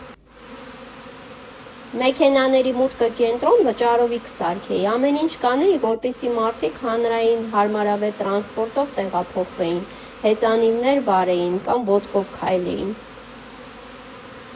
Մեքենաների մուտքը կենտրոն վճարովի կսարքեի, ամեն ինչ կանեի, որպեսզի մարդիկ հանրային հարմարավետ տրանսպորտով տեղափոխվեին, հեծանիվներ վարեին կամ ոտքով քայլեին։